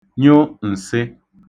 nyụ ǹsị